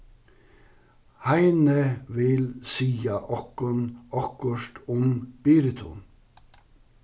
heini vil siga okkum okkurt um biritu